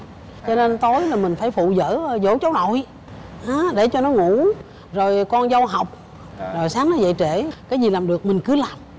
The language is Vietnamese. cho nên tối là mình phải phụ dỡ dỗ cháu nội để cho nó ngủ rồi con dâu học rồi sáng nó dạy trễ cái gì làm được mình cứ làm